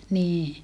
niin